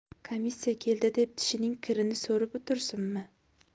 kamissiya keldi deb tishining kirini so'rib o'tirsinmi